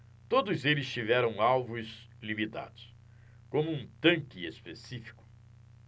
todos eles tiveram alvos limitados como um tanque específico